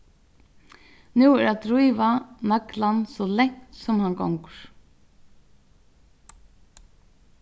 nú er at dríva naglan so langt sum hann gongur